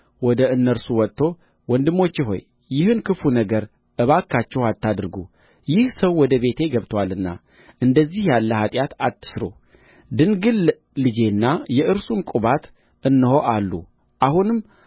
ወደ እነርሱ ወጥቶ ወንድሞቼ ሆይ ይህን ክፉ ነገር እባካችሁ አታድርጉ ይህ ሰው ወደ ቤቴ ገብቶአልና እንደዚህ ያለ ኃጢአት አትሥሩ ድንግል ልጄና የእርሱም ቁባት እነሆ አሉ አሁንም